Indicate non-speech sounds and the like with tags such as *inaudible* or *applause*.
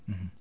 *hesitation* *hesitation*